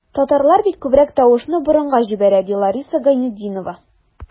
Татарлар бит күбрәк тавышны борынга җибәрә, ди Лариса Гайнетдинова.